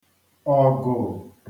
ọ̀gụ̀